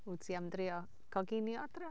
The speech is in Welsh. Wyt ti am drio coginio adra?